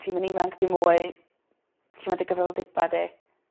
ti'm yn ifanc dim mwy. Lle ma' dy gyfrifoldeba di?